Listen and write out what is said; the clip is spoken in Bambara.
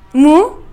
Mun